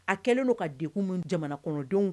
A kɛlen don ka deumu jamana kɔnɔdenw